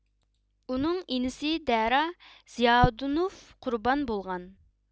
ئۇنىڭ ئىنىسى دەرا زىياۋۇدۇنۇف قۇربان بولغان